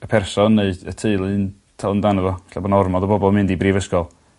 y person neu y teulu'n talu amdano fo. 'Lly ma' 'na ormod o bobl mynd i brifysgol.